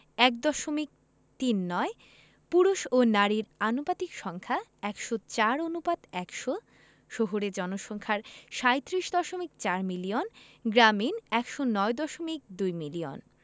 ১দশমিক তিন নয় পুরুষ ও নারীর আনুপাতিক সংখ্যা ১০৪ অনুপাত ১০০ শহুরে জনসংখ্যা ৩৭দশমিক ৪ মিলিয়ন গ্রামীণ ১০৯দশমিক ২ মিলিয়ন